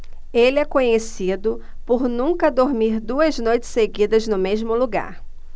ele é conhecido por nunca dormir duas noites seguidas no mesmo lugar